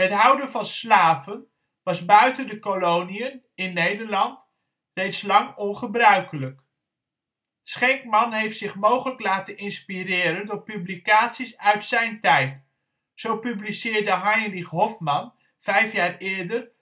houden van slaven was buiten de koloniën, in Nederland, reeds lang ongebruikelijk. Schenkman heeft zich mogelijk laten inspireren door publicaties uit zijn tijd. Zo publiceerde Heinrich Hoffmann vijf jaar eerder